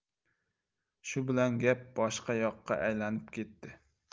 shu bilan gap boshqa yoqqa aylanib ketdi